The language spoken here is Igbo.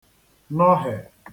nọhè